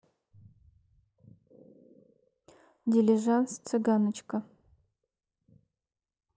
дилижанс цыганочка